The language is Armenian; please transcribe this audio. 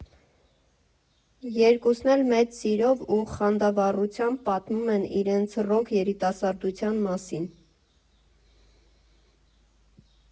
Երկուսն էլ մեծ սիրով ու խանդավառությամբ պատմում են իրենց ռոք երիտասարդության մասին։